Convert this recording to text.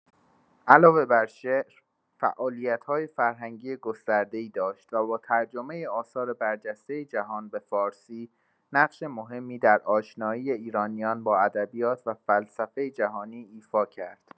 علاوه بر شعر، فعالیت‌های فرهنگی گسترده‌ای داشت و با ترجمه آثار برجسته جهان به فارسی نقش مهمی در آشنایی ایرانیان با ادبیات و فلسفه جهانی ایفا کرد.